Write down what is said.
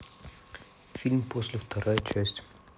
фильм после вторая часть